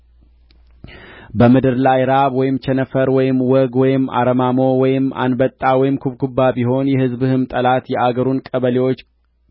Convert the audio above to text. በምድር ላይ ራብ ወይም ቸነፈር ወይም ዋግ ወይም አረማሞ ወይም አንበጣ ወይም ኩብኩባ ቢሆን የሕዝብህም ጠላት የአገሩን ቀበሌዎች